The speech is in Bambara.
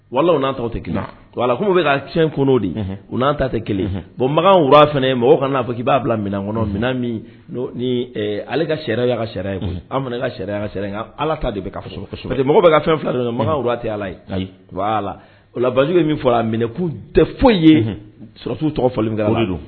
Wala'a tɔgɔ tɛ kelen wa ala kuma bɛ ka tiɲɛ kɔnɔo de u n'an ta tɛ kelen bɔn makanura fana mɔgɔ kana'a fɔ k' b'a bila kɔnɔ min ale ka sariya' ka sariya ye an ka sariya nka ala ta de mɔgɔ bɛ ka fɛn fila makan tɛ ala ala la o la basijugu bɛ min fɔ minɛkunu tɛ foyi ye sɔrɔsiw tɔgɔ falen don